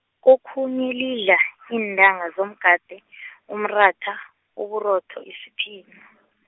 kokhunye lidla iintanga zomgade , umratha uburotho isiphi- .